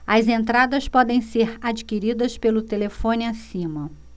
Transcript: as entradas podem ser adquiridas pelo telefone acima